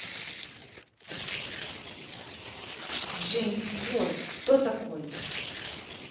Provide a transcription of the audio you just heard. джеймс уорд кто такой